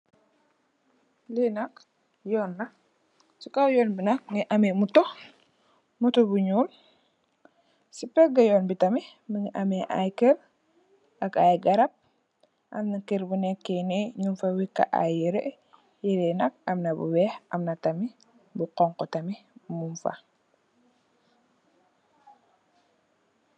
Li nak yoon la, ci kaw yoon bi nak mungi ameh moto, moto bu ñuul. Ci pègg yoon bi tamit mungi ameh ay kër ak ay garab. Amna kër bu nekk ni nung fa wèkka ay yiré. Yiré yi nak amna bu weeh, amna tamit bu honku tamit mung fa.